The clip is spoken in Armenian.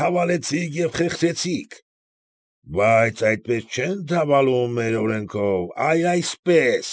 Թավալեցիք և խեղդեցիք։ Բայց այդպես չեն թավալում մեր օրենքով, այլ այսպես։